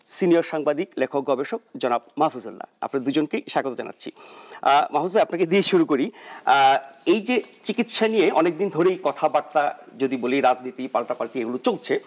senior সাংবাদিক লেখক গবেষক জনাব মাহফুজুল্লাহ আপনাদের দুজনকে স্বাগত জানাচ্ছি মাহফুজ ভাই আপনাকে দিয়ে শুরু করি এই যে চিকিৎসা নিয়ে অনেকদিন ধরেই কথাবার্তা যদি বলি রাজনীতি পাল্টাপাল্টি এগুলো চলছে